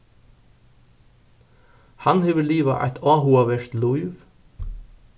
hann hevur livað eitt áhugavert lív